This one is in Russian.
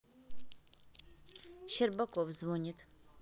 щербаков звонит